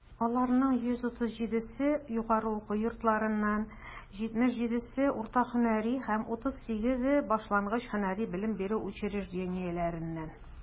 Аларның 137 се - югары уку йортларыннан, 77 - урта һөнәри һәм 38 башлангыч һөнәри белем бирү учреждениеләреннән.